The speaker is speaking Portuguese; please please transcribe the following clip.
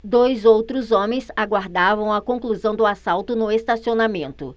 dois outros homens aguardavam a conclusão do assalto no estacionamento